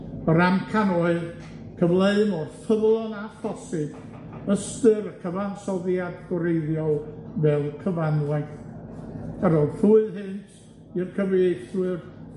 yr amcan oedd cyfleu mor ffyddlon â phosib, ystyr y cyfansoddiad gwreiddiol fel cyfanwaith, a ro'dd rhwydd hynt i'r cyfreithwyr,